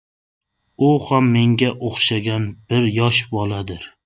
u ham menga o'xshagan bir yosh boladir